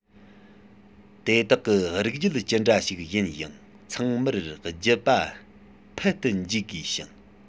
དེ དག གི རིགས རྒྱུད ཅི འདྲ ཞིག ཡིན ཡང ཚང མར རྒྱུད པ འཕེལ དུ འཇུག དགོས ཤིང